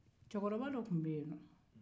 cɛkɔrɔba de tun bɛ yennɔ